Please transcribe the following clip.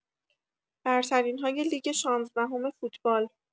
برترین‌های لیگ شانزدهم فوتبال